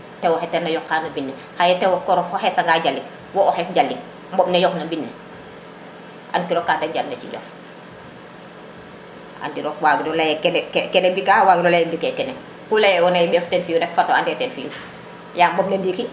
tewo xe tena yoqa no mbine xaye tew korof a xesa nga jalik wo o xes jalik mboɓ ne yoq no mbine ankiro ka de njal na cidjof andiro wagiro leye kene mbi ka wagiro leye mbi ke kene kuleye ena ye o mbef ten fiyu rek fato ande ten fiyun yaam mboɓ ne ndiki we njof na maya te